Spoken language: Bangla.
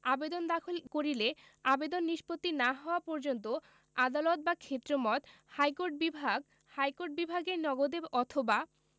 আবেদন দাখিল করিলে আবেদন নিস্পত্তি না হওয়া পর্যন্ত আদালত বা ক্ষেত্রমত হাইকোর্ট বিভাগ হাইকোর্ট বিভাগে নগদে অথবা